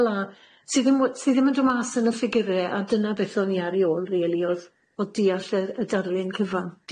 fela sy ddim w- sy ddim yn drw' mas yn y ffigyre a dyna beth o'n i ar ei ôl rili o'dd o'dd dall y y darlun cyfan. Diolch